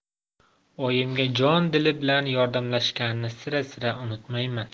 oyimga jon dili bilan yordamlashganini sira sira unutmayman